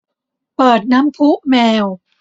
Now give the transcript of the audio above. เปิดน้ำพุแมว